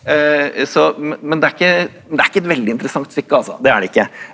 så men men det er ikke det er ikke et veldig interessant stykke altså det er det ikke.